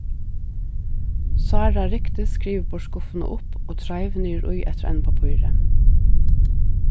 sára rykti skriviborðsskuffuna upp og treiv niðurí eftir einum pappíri